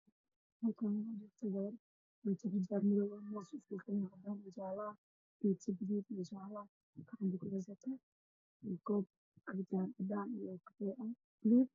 Halkaan waxaa fadhiso gabar wadato xijaab madow iyo saako jaale ah, gacanta kuheysato koob cabitaan cadaan, kafay iyo buluug ah.